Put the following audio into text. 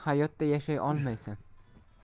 hayotda yashay olmaysan